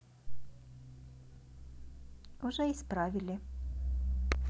уже исправили